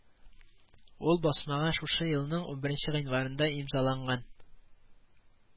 Ул басмага шушы елның унберенче гыйнварында имзаланган